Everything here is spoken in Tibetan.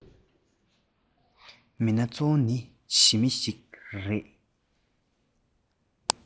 མི སྣ གཙོ བོ ནི ཞི མི ཞིག རེད